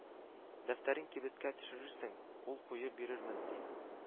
Дәфтәрен кибеткә төшерерсең, кул куеп бирермен», – ди